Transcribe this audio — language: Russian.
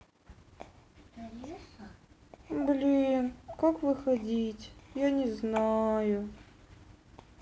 блин как выходить я не знаю